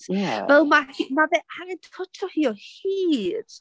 Fel, mae mae fe angen twtsio hi o hyd.